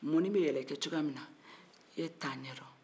mɔni be yɛlɛkɛ cogoya min na e t'a ɲɛdɔn